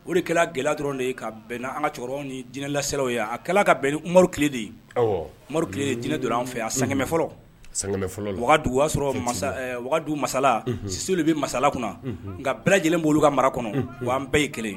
O de kɛra gɛlɛ dɔrɔn de ye ka bɛnna an ka cɛkɔrɔba ni jinɛ lasiraw ye a ka tilele de ye tilele de jinɛinɛ dɔrɔn an fɛ a sanmɛ fɔlɔ fɔlɔ wagadu'a sɔrɔ wagadu masala si de bɛ masala kunna nka bɛɛ lajɛlen bolo ka mara kɔnɔ wa an bɛɛ ye kelen